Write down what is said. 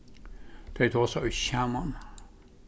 tey tosaðu ikki saman